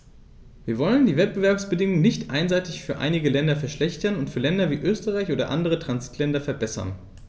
Wir wollen die Wettbewerbsbedingungen nicht einseitig für einige Länder verschlechtern und für Länder wie Österreich oder andere Transitländer verbessern.